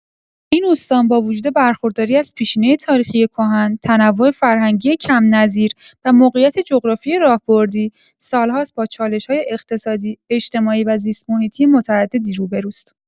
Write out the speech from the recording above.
این استان با وجود برخورداری از پیشینه تاریخی کهن، تنوع فرهنگی کم‌نظیر و موقعیت جغرافیایی راهبردی، سال‌هاست با چالش‌های اقتصادی، اجتماعی و زیست‌محیطی متعددی روبه‌روست.